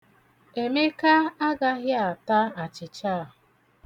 Emeka agaghị ata achịcha a.